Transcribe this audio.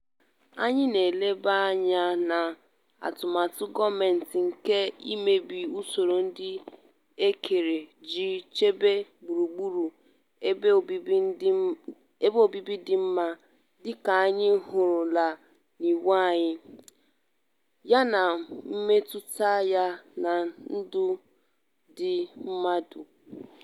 Anyị na-eleba anya n'atụmatụ gọọmentị nke imebi usoro ndị e kere iji chebe gburugburu ebe obibi dị mma, dịka anyị hụrụla n'iwu anyị, ya na mmetụta ya na ndụ ndị mmadụ.